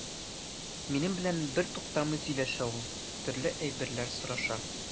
Минем белән бертуктамый сөйләшә ул, төрле әйберләр сораша.